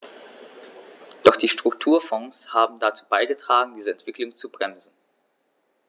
Doch die Strukturfonds haben dazu beigetragen, diese Entwicklung zu bremsen.